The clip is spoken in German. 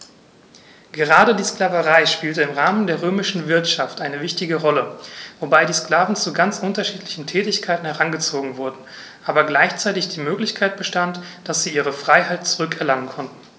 Gerade die Sklaverei spielte im Rahmen der römischen Wirtschaft eine wichtige Rolle, wobei die Sklaven zu ganz unterschiedlichen Tätigkeiten herangezogen wurden, aber gleichzeitig die Möglichkeit bestand, dass sie ihre Freiheit zurück erlangen konnten.